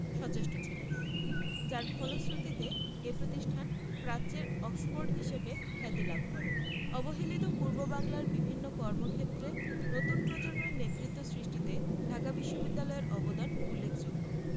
সচেষ্ট ছিলেন যার ফলশ্রুতিতে এ প্রতিষ্ঠান প্রাচ্যের অক্সফোর্ড হিসেবে খ্যাতি লাভ করে অবহেলিত পূর্ববাংলার বিভিন্ন কর্মক্ষেত্রে নতুন প্রজন্মের নেতৃত্ব সৃষ্টিতে ঢাকা বিশ্ববিদ্যালয়ের অবদান উল্লেখযোগ্য